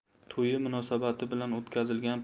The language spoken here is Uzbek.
to'yi munosabati bilan o'tkazilgan